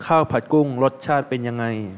ข้าวผัดกุ้งรสชาติเป็นยังไง